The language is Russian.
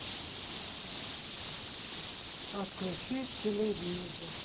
отключить телевизор